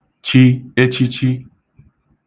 chi echichi